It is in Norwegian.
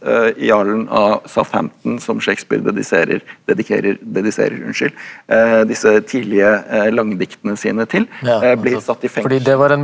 jarlen av Southampton som Shakespeare dediserer dedikerer dediserer unnskyld disse tidlige langdiktene sine til blir satt i .